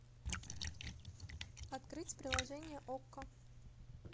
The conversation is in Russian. открыть приложение окко